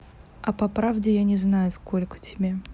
а по правде я не знаю сколько тебе